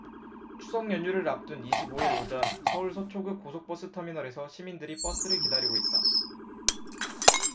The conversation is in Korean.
추석연휴를 앞둔 이십 오 일 오전 서울 서초구 고속버스터미널에서 시민들이 버스를 기다리고 있다